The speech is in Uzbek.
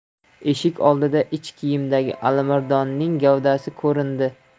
eshik oldida ich kiyimdagi alimardonning gavdasi ko'rindi